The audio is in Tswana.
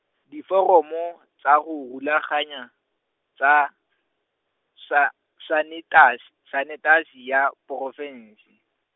diforomo, tsa go rulaganya, tsa, sa- sanetas- sanetasi ya, porofense.